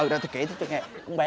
ừ thôi tôi kể tiếp cho nghe con bé